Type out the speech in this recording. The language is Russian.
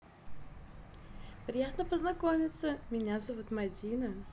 приятно познакомиться меня зовут мадина